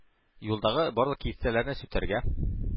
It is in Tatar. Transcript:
Юлдагы барлык киртәләрне сүтәргә, с